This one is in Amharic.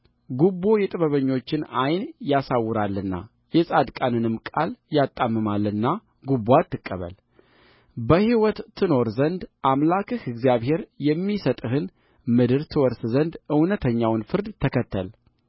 ጉቦ የጥበበኞችን ዓይን ያሳውራልና የጻድቃንንም ቃል ያጣምማልና ጉቦ አትቀበል በሕይወት ትኖር ዘንድ አምላክህ እግዚአብሔርም የሚሰጥህን ምድር ትወርስ ዘንድ እውነተኛውን ፍርድ ተከተል